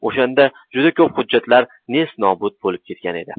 o'shanda juda ko'p hujjatlar nest nobud bo'lib ketgan edi